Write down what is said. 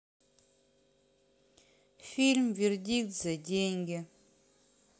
фильм вердикт за деньги